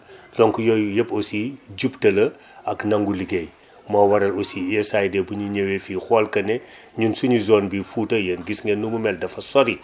donc yooyu yëpp aussi jubte la ak nangu liggéey moo waral aussi USAID bu ñu ñëwee fii xool que ne ñun suñu zone bii fouta yéen gis ngeen nu mu mel dafa sori